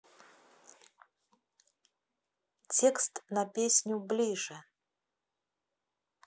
текст на песню ближе